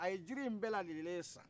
a ye jiri in bɛɛ lajɛlen san